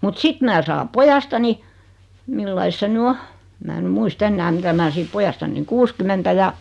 mutta sitten minä saan pojastani milläs lailla se nyt on en minä nyt muista enää mitä minä sitten pojastani kuusikymmentä ja